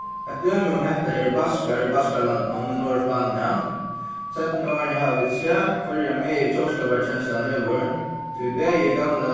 eitt dømi um hetta eru baskar í baskaralandinum í norðurspania seinnu árini hava vit sæð hvørja megi tjóðskaparkenslan hevur tí bæði í gamla